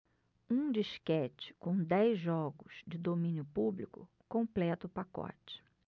um disquete com dez jogos de domínio público completa o pacote